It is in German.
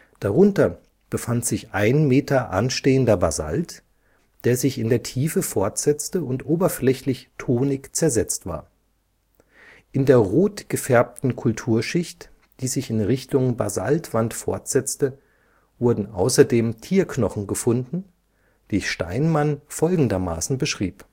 Darunter befand sich 1 m anstehender Basalt, der sich in der Tiefe fortsetzte und oberflächlich tonig zersetzt war. In der rotgefärbten Kulturschicht, die sich in Richtung Basaltwand fortsetzte, wurden außerdem Tierknochen gefunden, die Steinmann folgendermaßen beschrieb